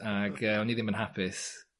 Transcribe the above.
...ag yy o'n i ddim yn hapus.